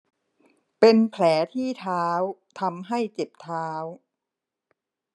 เป็นแผลที่เท้าทำให้เจ็บเท้า